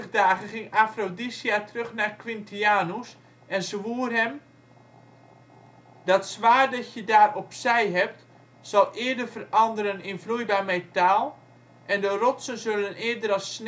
dagen ging Aphrodisia terug naar Quintianus en zwoer hem: " Dat zwaard dat je daar opzij hebt zal eerder veranderen in vloeibaar metaal en de rotsen zullen eerder als